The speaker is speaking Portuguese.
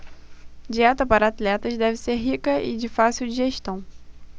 dieta para atletas deve ser rica e de fácil digestão